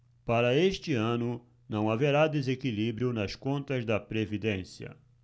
para este ano não haverá desequilíbrio nas contas da previdência